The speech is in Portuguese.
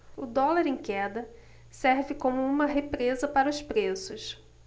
o dólar em queda serve como uma represa para os preços